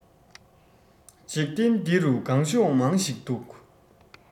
འཇིག རྟེན འདི རུ སྒང གཤོང མང ཞིག འདུག